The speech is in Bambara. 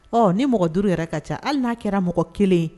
Ɔ ni mɔgɔ duuru yɛrɛ ka ca hali n'a kɛra mɔgɔ kelen ye